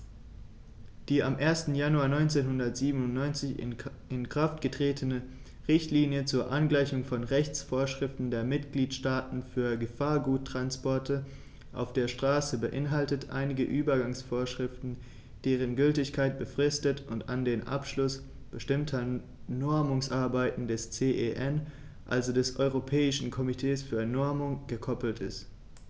Die am 1. Januar 1997 in Kraft getretene Richtlinie zur Angleichung von Rechtsvorschriften der Mitgliedstaaten für Gefahrguttransporte auf der Straße beinhaltet einige Übergangsvorschriften, deren Gültigkeit befristet und an den Abschluss bestimmter Normungsarbeiten des CEN, also des Europäischen Komitees für Normung, gekoppelt ist.